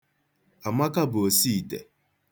Amaka bụ osiite.